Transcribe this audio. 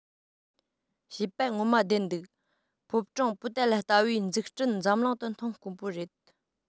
བཤད པ ངོ མ བདེན འདུག ཕོ བྲང པོ ཏ ལ ལྟ བུའི འཛུགས སྐྲུན འཛམ གླིང དུ མཐོང དཀོན པོ རེད